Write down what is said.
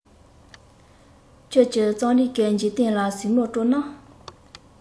ཁྱོད ཀྱིས རྩོམ རིག གི འཇིག རྟེན ལ གཟིགས མོ སྤྲོ ན